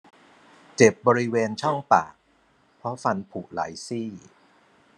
เจ็บบริเวณช่องปากเพราะฟันผุหลายซี่